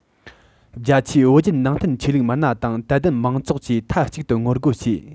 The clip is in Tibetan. རྒྱ ཆེའི བོད བརྒྱུད ནང བསྟན ཆོས ལུགས མི སྣ དང དད ལྡན མང ཚོགས ཀྱིས མཐའ གཅིག ཏུ ངོ རྒོལ བྱས